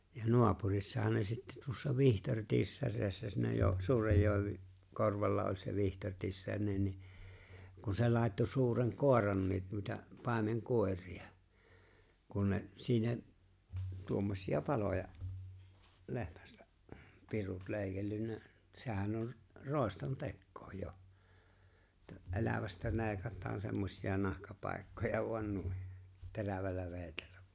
ja naapurissahan ne sitten tuossa Vihtori Tissasessa ne - suuren joen korvalla oli se Vihtori Tissanen niin kun se laittoi suuren koirankin noita paimenkoiria kun ne siinä tuommoisia paloja lehmästä pirut leikellyt sehän on roiston tekoa jo että elävästä leikataan semmoisia nahkapaikkoja vain noin terävällä veitsellä